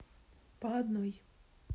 по одной